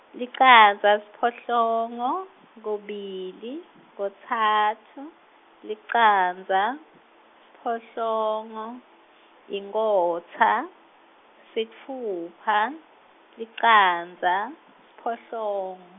licandza, siphohlongo, kubili, kutsatfu, licandza, siphohlongo, inkhotsa, sitfupha, licandza, siphohlongo.